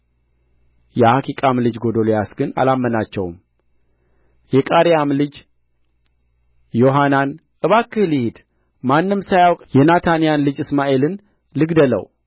የቃሬያም ልጅ ዮሐናን እባክህ ልሂድ ማንም ሳያውቅ የናታንያን ልጅ እስማኤልን ልግደለው